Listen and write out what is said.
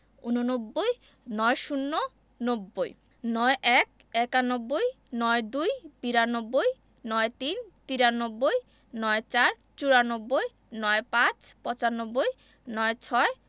ঊননব্বই ৯০ - নব্বই ৯১ - একানব্বই ৯২ - বিরানব্বই ৯৩ - তিরানব্বই ৯৪ – চুরানব্বই ৯৫ - পচানব্বই ৯৬ -